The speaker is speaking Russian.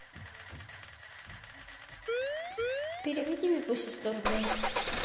переведи викусе сто рублей